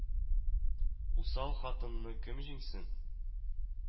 Усал хатынны кем җиңсен